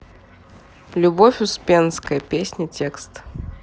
любовь успенская песня текст